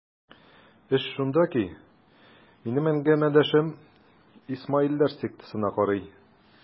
Эш шунда ки, минем әңгәмәдәшем исмаилләр сектасына карый.